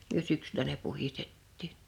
me syksyllä ne puhdistettiin